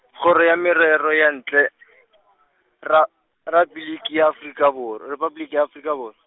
Kgoro ya Merero ya Ntle, ra rabiliki- ya Afrika Borw-, Repabliki ya Afrika Borwa.